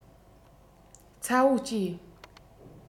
ཚ བོ གཅེས